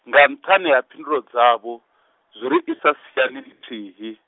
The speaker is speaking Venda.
nga nṱhani ha phindulo dzavho, zwi ri isa siani ḽithihi.